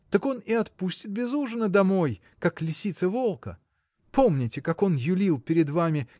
так он и отпустит без ужина домой, как лисица волка. Помните как он юлил перед вами